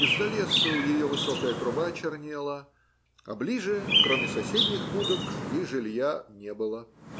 из-за лесу ее высокая труба чернела, а ближе, кроме соседних будок, и жилья не было.